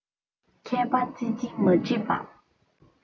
མཁས པ རྩད ཅིང མ དྲིས པ